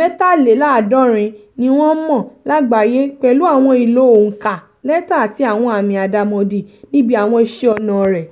73, ni wọ́n mọ̀ lágbàáyé pẹ̀lú àwọn ìlò òǹkà, lẹ́tà, àti àwọn àmì àdàmọ̀dì níbi àwọn iṣẹ́ ọnà rẹ̀.